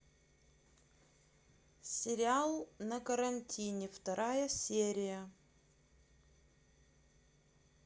сериал на карантине вторая серия